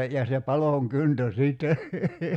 ja se palon kyntö sitten